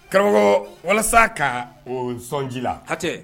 Karamɔgɔ walasa ka o sɔn jila, hatɛ